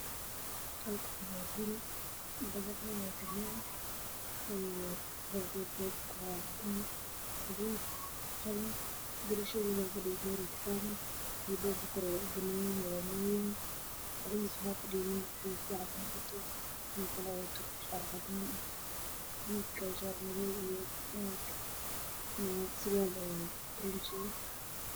Meeshaan waxaa ku yaal guri isku socdo kidka dhisayo burgeti qof ay agtaagan